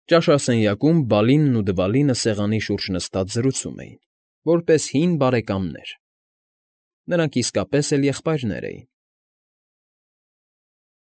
Ճաշասենյակում Բալինն ու Դվալինը սեղանի շուրջ նստած զրուցում էին, որպես հին բարեկամներ (նրանք իսկապես էլ եղբայրներ էին)։